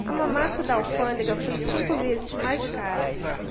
a mamata da alfândega foi cinco vezes mais cara